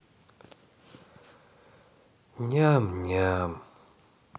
ням ням